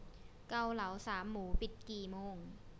เกาเหลาสามหมูปิดกี่โมง